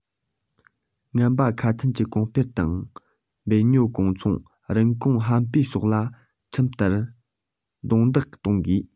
ངན པ ཁ མཐུན གྱིས གོང སྤོར དང འབེལ ཉོ དཀོན འཚོང རིན གོང ཧམ སྤོར སོགས ལ ཁྲིམས ལྟར རྡུང རྡེག གཏོང དགོས